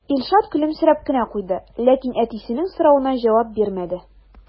Илшат көлемсерәп кенә куйды, ләкин әтисенең соравына җавап бирмәде.